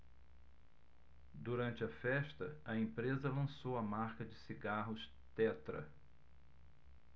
durante a festa a empresa lançou a marca de cigarros tetra